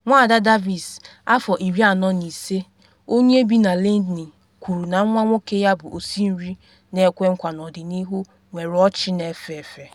Nwada Davis, afọ 45, onye bi na Lydney, kwuru na nwa nwoke ya bụ osi nri na ekwe nkwa n’ọdịnihu nwere ọchị na efe efe.